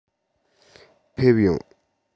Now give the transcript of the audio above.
སླེབས ཡོང